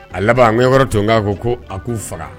A laban an yɔrɔ to n k'a ko a k'u faga